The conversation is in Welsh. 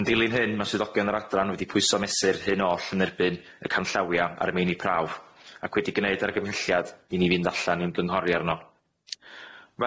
Yn dilyn hyn ma' swyddogion yr adran wedi pwyso a mesur hyn oll yn erbyn y canllawia a'r meini prawf ac wedi gneud argymhelliad i ni fynd allan i ymgynghori arno.